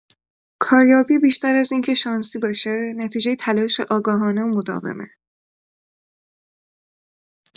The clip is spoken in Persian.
کاریابی بیشتر از این که شانسی باشه، نتیجه تلاش آگاهانه و مداومه.